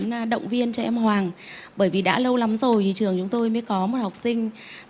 động viên cho em hoàng bởi vì đã lâu lắm rồi thì trường chúng tôi mới có một học sinh